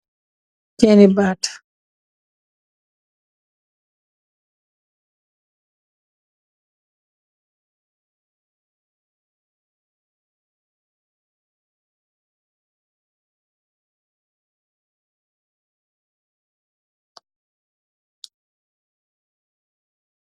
Terre bad bonyu deff ci bad